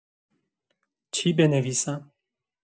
چی بنویسم؟